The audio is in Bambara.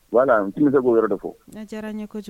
Wala n t tɛ' yɔrɔ de fɔ ne diyara ɲɛ